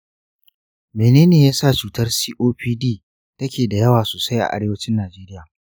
mene ne ya sa cutar copd take da yawa sosai a arewacin najeriya?